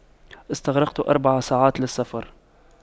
استغرقت أربع ساعات للسفر